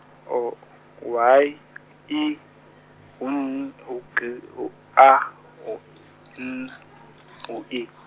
oh Y, I, M, u- G, u- A, u- N, u- E.